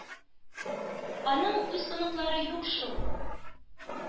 Аның үз оныклары юк шул.